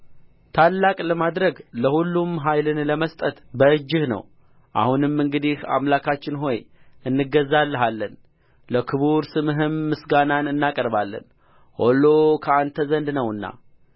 ታላቅ ለማድረግ ለሁሉም ኃይልን ለመስጠት በእጅህ ነው አሁንም እንግዲህ አምላካችን ሆይ እንገዛልሃለን ለክቡር ስምህም ምስጋና እናቀርባለን ሁሉ ከአንተ ዘንድ ነውና